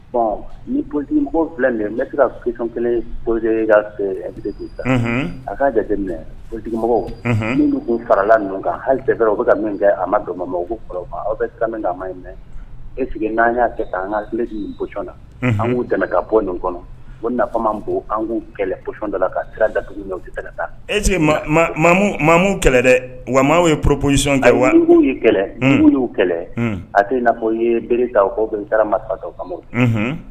Ni politigimɔgɔ fila n bɛ se kasɔn kelen poli ka fɛ' ta a k'a jate minɛ ptigimɔgɔ minnu'u farala ninnu kan hali fɛ bɛ ka min kɛ a ma dɔn ma mɔgɔw aw bɛ min'a ma e sigi n'aan y'a kɛ an kasi boyɔn na an k'u dɛmɛ ka bɔ nin kɔnɔ o an'u kɛlɛ psɔnɔn dɔ la ka sira daugu taa emu kɛlɛ dɛ nka maa ye ppolizsɔnɔnu ye kɛlɛu kɛlɛ a tɛfɔ i ye bereere ta kɔ taara marifakaw ka